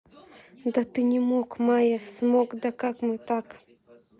да ты не мог майя смог да как мы так